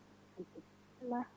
mba